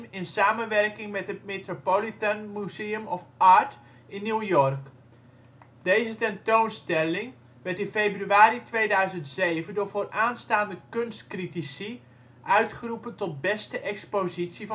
in samenwerking met het Metropolitan Museum of Art in New York. Deze tentoonstelling werd in februari 2007 door vooraanstaande kunstcritici uitgeroepen tot ' beste expositie